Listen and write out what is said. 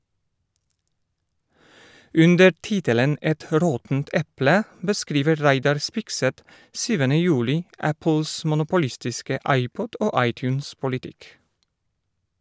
Under tittelen «Et råttent eple» beskriver Reidar Spigseth 7. juli Apples monopolistiske iPod- og iTunes-politikk.